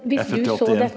jeg er født i åttien.